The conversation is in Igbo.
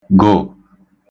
gụ̀